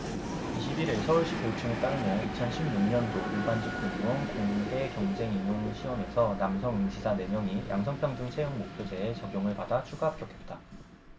이십 일 일 서울시교육청에 따르면 이천 십 육 년도 일반직공무원 공개경쟁임용시험에서 남성 응시자 네 명이 양성평등채용목표제의 적용을 받아 추가 합격했다